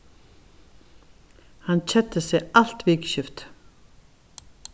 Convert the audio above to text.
hann keddi seg alt vikuskiftið